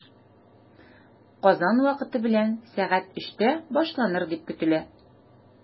Казан вакыты белән сәгать өчтә башланыр дип көтелә.